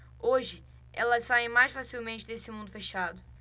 hoje elas saem mais facilmente desse mundo fechado